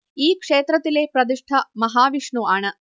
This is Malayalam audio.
ഈ ക്ഷേത്രത്തിലെ പ്രതിഷ്ഠ മഹാവിഷ്ണു ആണ്